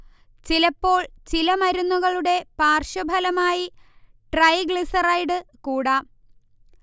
ചിലപ്പോൾ ചില മരുന്നുകളുടെ പാർശ്വഫലമായി ട്രൈഗ്ലിസറൈഡ് കൂടാം